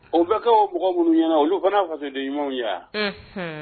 O bɛ kɛ b mɔgɔ minnu ɲɛna olu fana fa de ɲumanw yan